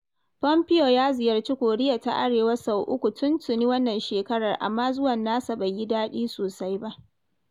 Pompeo ya ziyarci Koriya ta Arewa sau uku tun tuni wannan shekarar, amma zuwan nasa bai yi daɗi sosai ba.